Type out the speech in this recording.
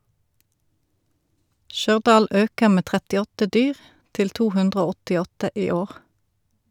Stjørdal øker med 38 dyr, til 288 i år.